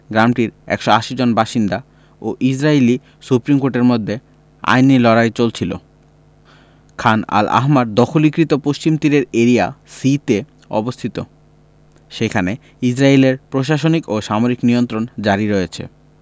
গ্রামটির ১৮০ জন বাসিন্দা ও ইসরাইলি সুপ্রিম কোর্টের মধ্যে আইনি লড়াই চলছিল খান আল আহমার দখলীকৃত পশ্চিম তীরের এরিয়া সি তে অবস্থিত সেখানে ইসরাইলের প্রশাসনিক ও সামরিক নিয়ন্ত্রণ জারি রয়েছে